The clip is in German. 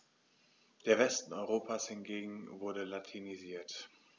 Der Westen Europas hingegen wurde latinisiert.